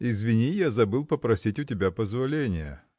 – Извини, я забыл попросить у тебя позволения.